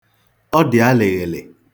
Ọ dị alịghịlị.